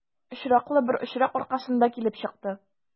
Очраклы бер очрак аркасында килеп чыкты.